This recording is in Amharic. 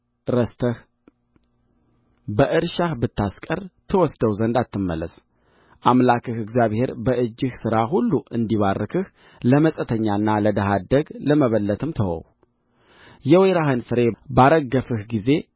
ረስተህ በእርሻህ ብታስቀር ትወስደው ዘንድ አትመለስ አምላክህ እግዚአብሔር በእጅህ ሥራ ሁሉ እንዲባርክህ ለመጻተኛና ለድሃ አደግ ለመበለትም ተወው የወይራህን ፍሬ ባረገፍህ ጊዜ